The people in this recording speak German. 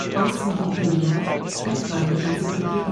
aus Wikipedia, der freien Enzyklopädie